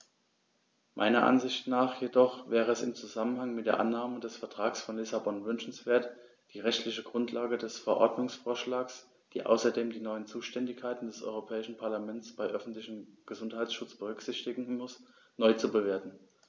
Meiner Ansicht nach jedoch wäre es im Zusammenhang mit der Annahme des Vertrags von Lissabon wünschenswert, die rechtliche Grundlage des Verordnungsvorschlags, die außerdem die neuen Zuständigkeiten des Europäischen Parlaments beim öffentlichen Gesundheitsschutz berücksichtigen muss, neu zu bewerten.